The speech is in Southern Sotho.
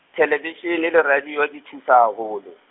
thelevishene le radio di thusa haholo.